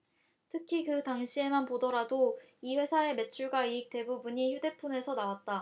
특히 그 당시에만 보더라도 이 회사의 매출과 이익 대부분이 휴대폰에서 나왔다